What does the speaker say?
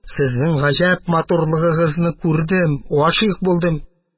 Сезнең гаҗәп матурлыгыгызны күрдем, гашыйк булдым.